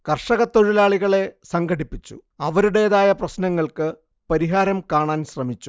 കർഷത്തൊഴിലാളികളെ സംഘടിപ്പിച്ചു അവരുടേതായ പ്രശ്നങ്ങൾക്ക് പരിഹാരം കാണാൻ ശ്രമിച്ചു